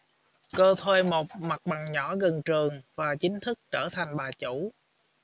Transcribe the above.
cô thuê một mặt bằng nhỏ gần trường và chính thức trở thành bà chủ